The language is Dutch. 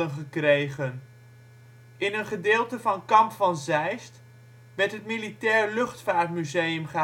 gekregen. In een gedeelte van ' Kamp van Zeist ' werd het Militaire Luchtvaart Museum gehuisvest